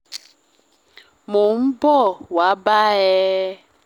Mò ń bò wá bá ẹ.